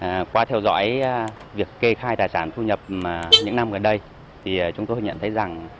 à qua theo dõi a việc kê khai tài sản thu nhập mà những năm gần đây thì ờ chúng tôi nhận thấy rằng